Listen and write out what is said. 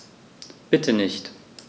Bitte nicht.